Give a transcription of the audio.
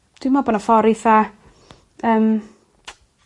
Dwi'n me'wl bo' 'na ffor eitha yym